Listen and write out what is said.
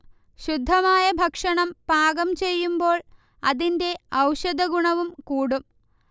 ശുദ്ധമായ ഭക്ഷണം പാകം ചെയ്യുമ്പോൾ അതിന്റെ ഔഷധഗുണവും കൂടും